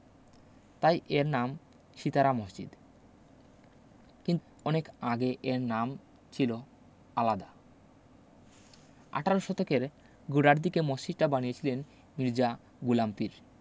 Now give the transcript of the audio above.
তাই এর নাম সিতারা মসজিদ কিন অনেক অনেক আগে এর নাম ছিল আলাদা আঠারো শতকের গুড়ার দিকে মসজিদটা বানিয়েছিলেন মির্জা গোলাম পীর